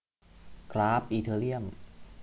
กราฟอีเธอเรียม